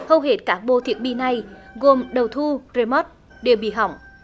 hầu hết các bộ thiết bị này gồm đầu thu re mót đều bị hỏng